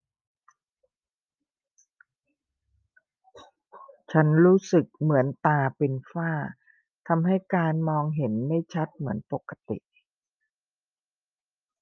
ฉันรู้สึกเหมือนตาเป็นฝ้าทำให้การมองเห็นไม่ชัดเหมือนปกติ